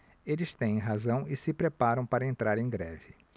eles têm razão e se preparam para entrar em greve